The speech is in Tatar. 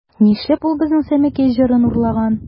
Нишләп ул безнең Сәмәкәй җырын урлаган?